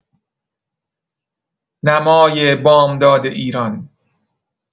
نمای بامداد ایران